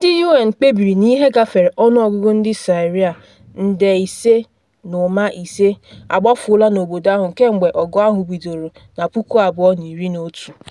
Ndị UN kpebiri na ihe gafere ọnụọgụgụ ndị Syria nde 5.5 agbafuola n’obodo ahụ kemgbe ọgụ ahụ bidoro na 2011.